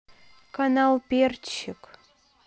канал перчик